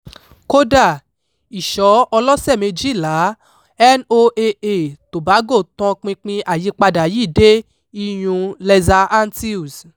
Kódà, ìṣọ́ ọlọ́sẹ̀ méjìláa NOAA Tobago tan pinpin àyípadà yìí dé iyùn Lesser Antilles.